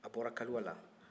a bɔra kaluwa la